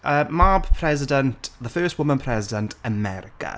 Yy, mab President, the first woman President in America.